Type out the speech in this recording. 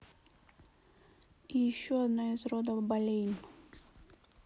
и еще одна из рода болейн